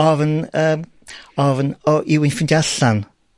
...ofn yym ofn o yw 'u ffindio allan,